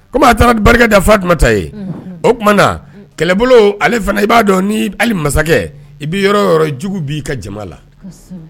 Ko a taara barika dafatuma ta ye o tumaumana na kɛlɛbolo fana i b'a dɔn n' hali masakɛ i bɛ yɔrɔ yɔrɔ jugu bin ka jama la